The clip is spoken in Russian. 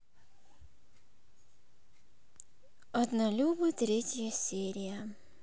однолюбы третья серия